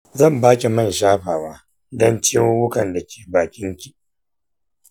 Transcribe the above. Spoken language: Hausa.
zan baki man shafawa don ciwuwwukan dake bakin ki.